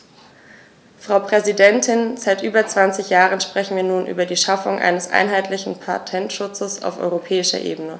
Frau Präsidentin, seit über 20 Jahren sprechen wir nun über die Schaffung eines einheitlichen Patentschutzes auf europäischer Ebene.